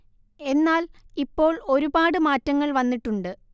എന്നാൽ ഇപ്പോൾ ഒരുപാട് മാറ്റങ്ങൾ വന്നിട്ടുണ്ട്